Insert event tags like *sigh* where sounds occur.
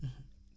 *hesitation* *hesitation*